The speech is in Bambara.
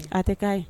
A tɛ k'a ye